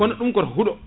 kono ɗum koto huuɗo